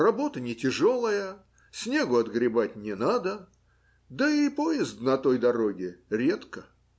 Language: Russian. работа нетяжелая, снегу отгребать не надо, да и поезд на той дороге редко.